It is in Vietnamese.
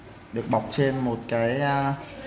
được bọc trên một cái